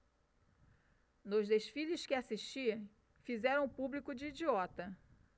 nos desfiles que assisti fizeram o público de idiota